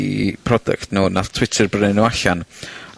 'i product nw nath Twitter brynu nw allan.